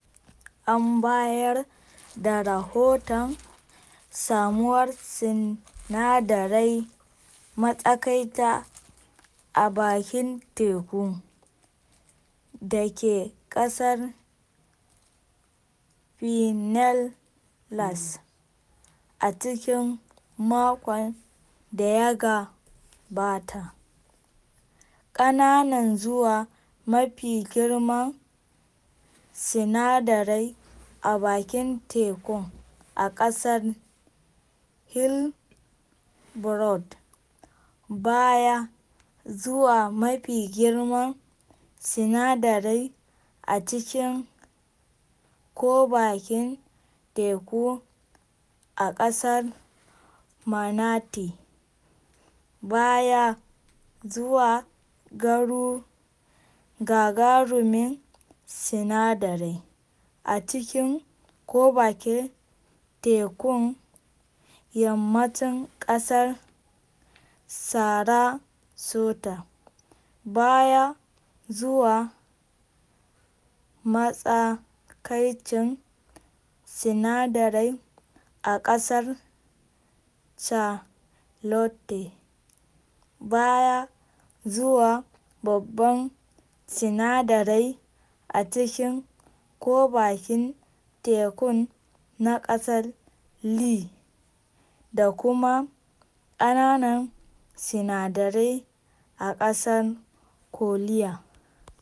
An bayar da rahoton samuwar sinadarai matsakaita a bakin teku da ke kasar Pinellas a cikin makon da ya gabata, ƙananan zuwa mafi girman sinadarai a bakin tekun a ƙasar Hillsborough, baya zuwa mafi girman sinadarai a cikin ko bakin teku a ƙasar Manatee, baya zuwa gagarumin sinadarai a cikin ko bakin tekun yammacin ƙasar Sarasota, baya zuwa matsakaicin sinadarai a ƙasar Charlotte, baya zuwa babban sinadarai a ciki ko bakin tekun na ƙasar Lee, da kuma ƙananan sinadarai a ƙasar Collier.